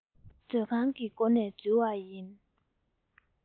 མཛོད ཁང གི སྒོ ནས འཛུལ བ ཡིན